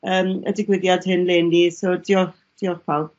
yym y digwyddiad hyn lenli so diolch pawb.